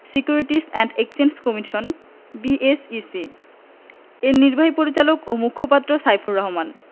securities and exchange commission BSEC এর নির্বাহী পরিচালক ও মুখপাত্র সাইফুর রহমান